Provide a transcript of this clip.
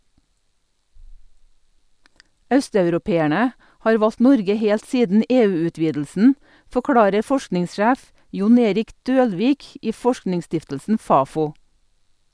Østeuropeerne har valgt Norge helt siden EU-utvidelsen, forklarer forskningssjef Jon Erik Dølvik i Forskningsstiftelsen Fafo.